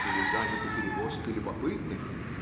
были заняты перевозкой любопытных